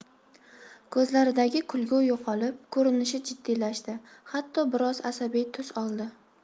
ko'zlaridagi kulgi yo'qolib ko'rinishi jiddiylashdi hatto biroz asabiy tus oldi